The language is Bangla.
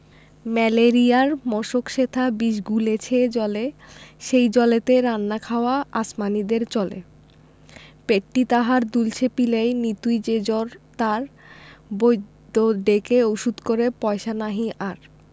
ম্যালেরিয়ার মশক সেথা বিষ গুলিছে জলে সেই জলেতে রান্না খাওয়া আসমানীদের চলে পেটটি তাহার দুলছে পিলেয় নিতুই যে জ্বর তার বৈদ্য ডেকে ওষুধ করে পয়সা নাহি আর